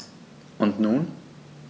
Und nun?